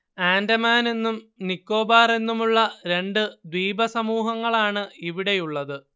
ആൻഡമാൻ എന്നും നിക്കോബാർ എന്നുമുള്ള രണ്ടു ദ്വീപുസമൂഹങ്ങളാണ് ഇവിടെയുള്ളത്